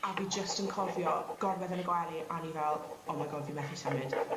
a fi jyst yn cofio gorwedd yn y gwely a o'n i fel oh my god fi methu symud.